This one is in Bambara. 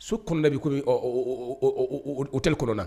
So kɔɔna bɛ comme ɔ o o o o o hôtel kɔnɔna